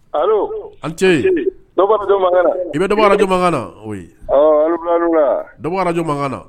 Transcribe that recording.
Allo i ni ce, dɔ bɔ arajo mankan na, i bɛ dɔ bɔ arajo mankan na, a ni wula a ni wula, dɔ bɔ arajo mankan na